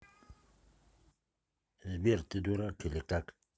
сбер ты дурак или как